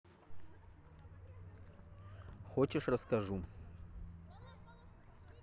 хочешь расскажу